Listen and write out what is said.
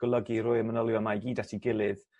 golygu roi y manylion 'ma i gyd at 'i gilydd